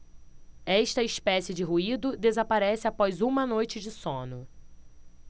esta espécie de ruído desaparece após uma noite de sono